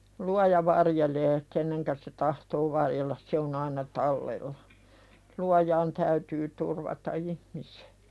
luoja varjelee kenet se tahtoo varjella se on aina tallella luojaan täytyy turvata ihmisten